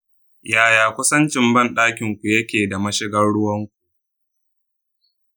yaya kusancin bandakinku yake da mashigar ruwanku